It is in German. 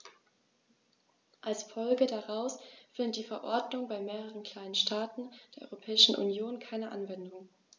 Als Folge daraus findet die Verordnung bei mehreren kleinen Staaten der Europäischen Union keine Anwendung.